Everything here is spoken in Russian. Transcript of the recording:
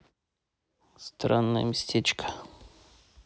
странное местечко